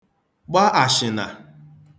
gba àshị̀nà